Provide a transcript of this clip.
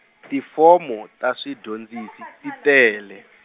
tifomo ta swidyondzi ti, ti tele.